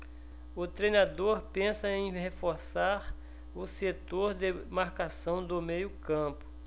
o treinador pensa em reforçar o setor de marcação do meio campo